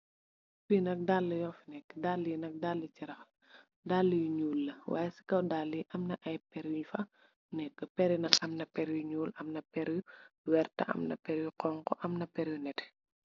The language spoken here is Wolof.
daalil charah yunj perri.